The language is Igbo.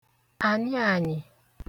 ànyịànyị̀